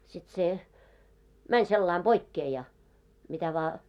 sitten se meni sillä lailla poikkeen ja mitä vain